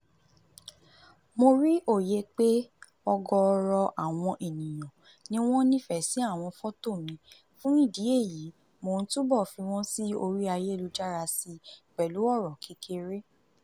Mo rí òye pé ọ̀gọ̀ọ̀rọ̀ àwọn ènìyàn ni wọ́n ń nífẹ̀ẹ́ sí àwọn fọ́tọ̀ mi fún ìdí èyí mò ń túbọ̀ fi wọn sí orí ayélujára síi, pẹ̀lú ọ̀rọ̀ kékeré.